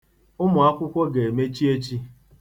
Ụmụakwụkwọ ga-emechi echi.